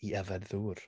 I yfed ddŵr.